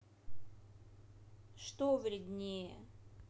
что вреднее